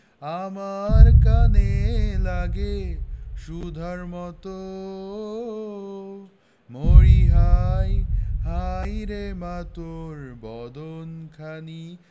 আমার কানে লাগে সুধার মতো মরিহায় হায়রে মা তোর বদন খানি